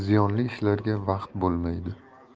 ziyonli ishlarga vaqt bo'lmaydi